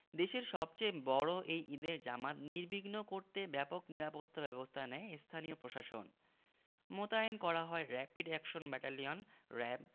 দেশের সবচেয়ে বড় এই ঈদের জামাত নির্বিঘ্ন করতে ব্যাপক নিরাপত্তাব্যবস্থা নেয় স্থানীয় প্রশাসন মোতায়েন করা হয় র্যাপিড অ্যাকশন ব্যাটালিয়ন র্যাব